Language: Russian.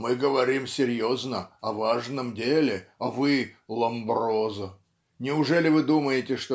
Мы говорим серьезно, о важном деле, а вы - Ломброзо!. Неужели вы думаете